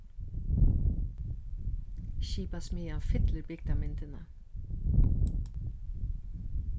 skipasmiðjan fyllir bygdarmyndina